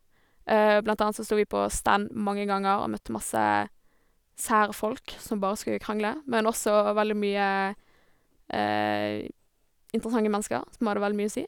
Blant annet så stod vi på stand mange ganger og møtte masse sære folk som bare skulle krangle, men også veldig mye interessante mennesker som hadde veldig mye å si.